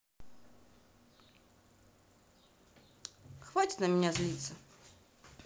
хватит на меня злиться